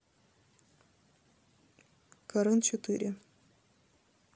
карен четыре